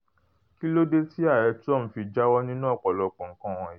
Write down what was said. Kí ló dé tí Ààrẹ Trump fi jáwọ́ nínú ọ̀pọ̀lọpọ̀ nǹkan wọ̀nyí?